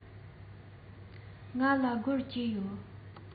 ང ལ སྒོར བཅུ ཡོད